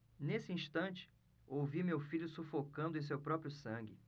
nesse instante ouvi meu filho sufocando em seu próprio sangue